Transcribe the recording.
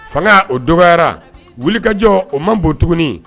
Fanga o dɔgɔyara wuli kajɔ o man bont